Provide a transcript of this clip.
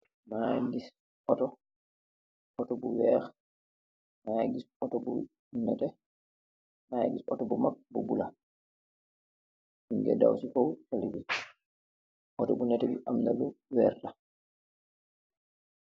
Mage giss oto, oto bu weeh, mage giss oto bu nete mage giss oto bu mag bu gouda muge daw se kaw talibe, oto bu nete be amna lu werta.